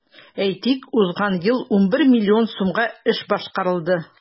Әйтик, узган ел 11 миллион сумга эш башкарылды.